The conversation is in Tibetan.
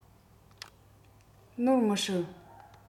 ནོར མི སྲིད